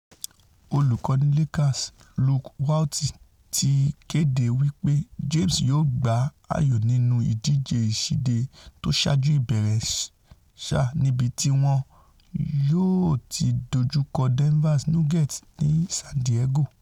Olùkọ́ni Lakers Luke Walton ti kéde wí pé James yóò gba ayò nínú ìdíje ìsíde tósáájú ìbẹ̀rẹ̀ sáà níbití wọn yóò ti dojúkọ Denvers Nuggets ní San Diego.